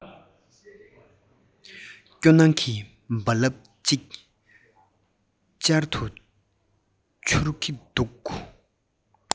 སྐྱོ སྣང གི རྦ རླབས ཅིག ཅར དུ འཕྱུར གྱི འདུག